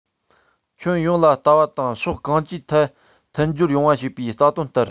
ཁྱོན ཡོངས ལ བལྟ བ དང ཕྱོགས གང ཅིའི ཐད མཐུན སྦྱོར ཡོང བ བྱེད པའི རྩ དོན ལྟར